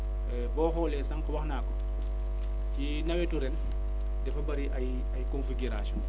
boo xoolee sànq wax naa ko ci nawetu ren dafa bëi ay ay configuration